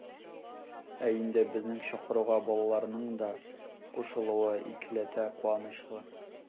Ә инде безнең чакыруга балаларның да кушылуы икеләтә куанычлы.